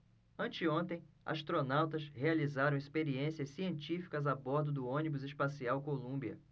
anteontem astronautas realizaram experiências científicas a bordo do ônibus espacial columbia